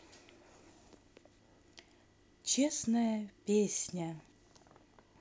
честная песня